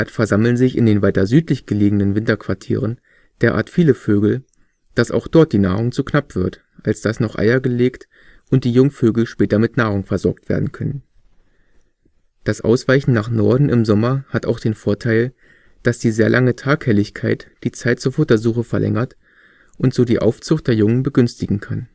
versammeln sich in den weiter südlich gelegenen Winterquartieren derart viele Vögel, dass auch dort die Nahrung zu knapp wird, als dass noch Eier gelegt und die Jungvögel später mit Nahrung versorgt werden könnten. Das Ausweichen nach Norden im Sommer hat auch den Vorteil, dass die sehr lange Taghelligkeit die Zeit zur Futtersuche verlängert und so die Aufzucht der Jungen begünstigen kann